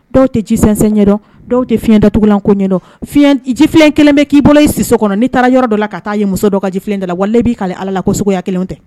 Dɔw tɛ jisɛsɛn ɲɛdɔn dɔw tɛ fiɲɛtugulan ko ɲɛdɔn jifilen kelen bɛ k'i bolo i si so kɔnɔ ne' taara yɔrɔ dɔ la ka taaa ye muso dɔ ka jifi da la walalen b'i' ala la kogoya kelen tɛ